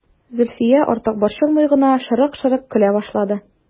Зөлфия, артык борчылмый гына, шырык-шырык көлә башлады.